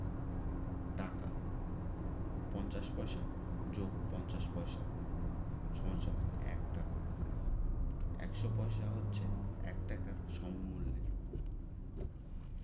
টাকাঃ ৫০ পয়সা + ৫০ পয়স = ১ টাকা ১০০ পয়সা হচ্ছে ১ টাকার সমমূল্যের